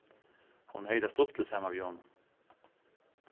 hon hevði tað stuttligt saman við honum